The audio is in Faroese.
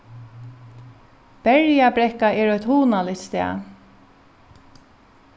berjabrekka er eitt hugnaligt stað